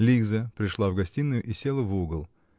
Лиза пришла в гостиную и села в угол